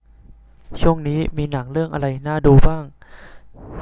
ช่วงนี้มีหนังเรื่องอะไรน่าดูบ้าง